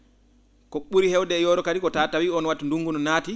ko ?uri heewde e yooro kadi ko taa tawi oon waktu kadi ndunngu no naati